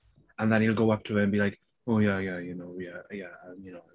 And then he'll go up to her and be like "oh yeah yeah you know yeah, yeah. You know...